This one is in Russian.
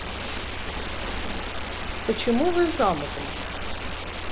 почему вы замужем